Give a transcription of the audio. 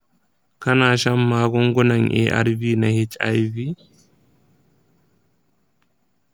kana shan magungunan arv na hiv?